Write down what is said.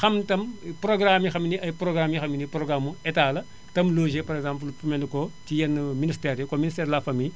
xam itam programmes yi nga xam ne ay programmes yoo xam ne nii programmes mu Etat la te mu logé par exemple fu mel ni que ci yenn ministères yi comme ministère de la famille